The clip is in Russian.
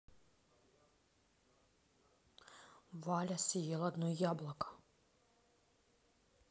валя съел одно яблоко